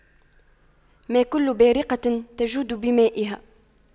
ما كل بارقة تجود بمائها